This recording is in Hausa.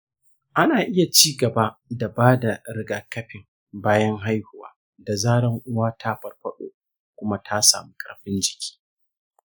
ana iya ci gaba da ba da rigakafin bayan haihuwa da zaran uwa ta farfado kuma ta sami ƙarfin jiki.